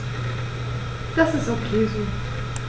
Das ist ok so.